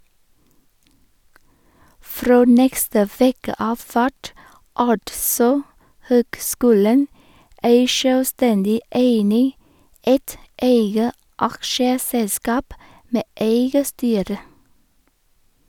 Frå neste veke av vert altså høgskulen ei sjølvstendig eining, eit eige aksjeselskap med eige styre.